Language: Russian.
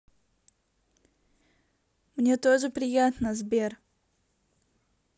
мне тоже приятно сбер